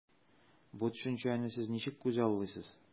Бу төшенчәне сез ничек күзаллыйсыз?